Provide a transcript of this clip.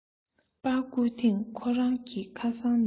པར བསྐུར ཐེངས ཁོ རང གི ཁ སང ནས